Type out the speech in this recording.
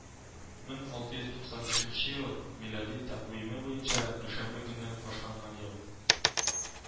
Мең алты йөз туксан бишенче ел милади тәкъвиме буенча дүшәмбе көненнән башланган ел